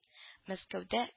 Мәскәүдә